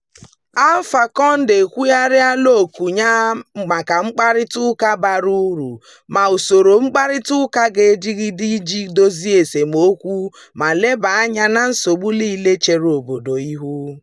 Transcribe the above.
Alpha Condé ekwugharịala òkù ya maka mkparịta ụka bara uru na maka usoro mkparịtaụka ga-adịgide iji dozie esemokwu ma lebaa anya na nsogbu niile chere obodo ihu.